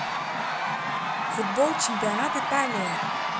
футбол чемпионат италии